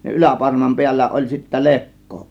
ja yläparman päällä oli sitten lekko